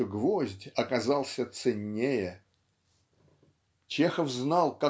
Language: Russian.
что гвоздь оказался ценнее. Чехов знал